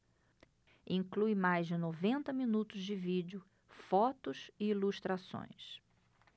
inclui mais de noventa minutos de vídeo fotos e ilustrações